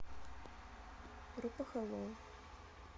группа hello